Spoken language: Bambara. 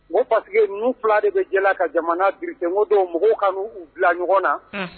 N go parceque ninnu fila de be diɲɛ na ka jamana derse. N go donc mɔgɔw ka n'u bila ɲɔgɔn na